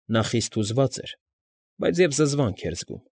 Նա խիստ հուզված էր, բայց և զզվանք էր զգում։